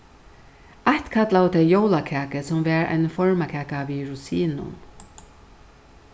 eitt kallaðu tey jólakaku sum var ein formakaka við rosinum